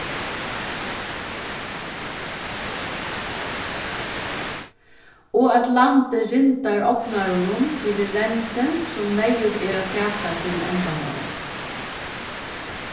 og at landið rindar ognarunum fyri lendið sum neyðugt er at taka til endamálið